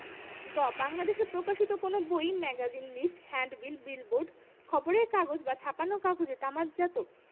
গ বাংলাদেশে প্রকাশিত কোন বই ম্যাগাজিন লিফলেট হ্যান্ডবিল বিলবোর্ড খবরের কাগজ বা ছাপানো কাগজে তামাকজাত